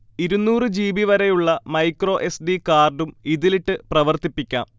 ഇരുന്നൂറ് ജിബി വരെയുളള micro S. D. കാർഡും ഇതിലിട്ട് പ്രവർത്തിപ്പിക്കാം